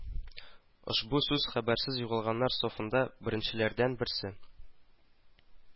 Ошбу сүз хәбәрсез югалганнар сафында беренчеләрдән берсе